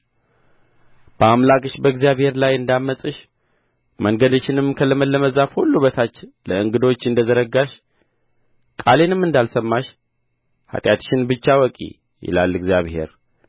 በአምላክሽ በእግዚአብሔር ላይ እንዳመፅሽ መንገድሽንም ከለመለመ ዛፍ ሁሉ በታች ለእንግዶች እንደ ዘረጋሽ ቃሌንም እንዳልሰማሽ ኃጢአትሽን ብቻ እወቂ ይላል እግዚአብሔር